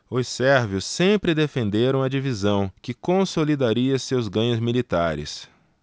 os sérvios sempre defenderam a divisão que consolidaria seus ganhos militares